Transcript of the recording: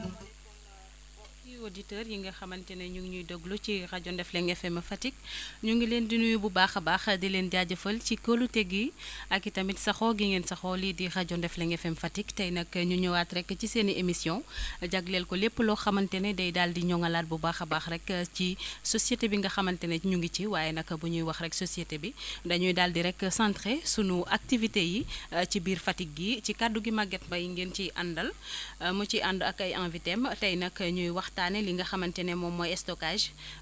asalaamaaleykum mbokki auditeurs yi nga xamante ni ñu ngi ñuy déglu ci rajo Ndefleng FM Fatick ñu ngi leen di nuyu bu baax a baax di leen jaajëfal ci kóolute gi ak i tamit saxoo gi ngeen saxoo lii di rajo Ndefleng FM Fatick tey nag ñu ñëwaat rek si seen i émission jagleel ko lépp loo xamante ni day daal di ñoŋalaat bu baax a baax rek ci société bi nga xamante ne ñu ngi ci waaye nag bu ñuy wax rek société bi dañuy daal di rek centrer suñu activités yi ci biir Fatick gii ci kaddu gi Maguette Mbaye ngeen ciy àndal mu ciy ànd ak ay invités am tey nag ñuy waxtaanee li nga xamante ne moom mooy stockage